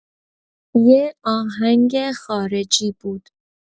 یه آهنگ خارجی بود